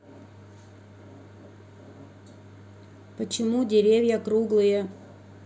почему деревья круглые